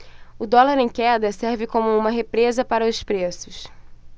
o dólar em queda serve como uma represa para os preços